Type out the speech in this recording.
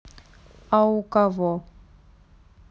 а у кого